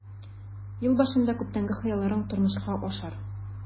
Ел башында күптәнге хыялың тормышка ашар.